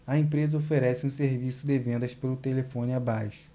a empresa oferece um serviço de vendas pelo telefone abaixo